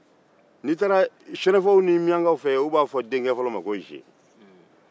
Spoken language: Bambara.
n'i taara sɛnɛfɔw ni miyankaw fɛ yen olu b'a fɔ denke fɔlɔ ma ko ziye